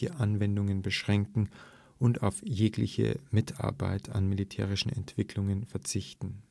Anwendungen beschränken und auf jegliche Mitarbeit an militärischen Entwicklungen verzichten